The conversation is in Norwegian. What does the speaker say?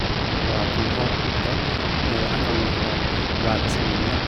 Og jeg kan ha opptatt jeg kan ha være sammen med dem.